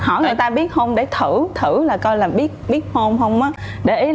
hỏi người ta biết không để thử thử là coi là biết biết hôn không á để ý là